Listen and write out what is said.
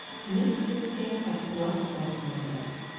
Икмәк-сөткә хаклар артмады.